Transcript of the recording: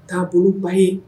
Taaboloa boloba ye